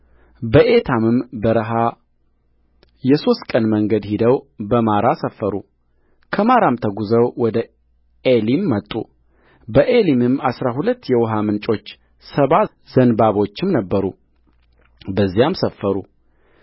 በኤታምም በረሀ የሦስት ቀን መንገድ ሄደው በማራ ሰፈሩከማራም ተጕዘው ወደ ኤሊም መጡ በኤሊምም አሥራ ሁለት የውኃ ምንጮች ሰባ ዘንባቦችም ነበሩ በዚያም ሰፈሩ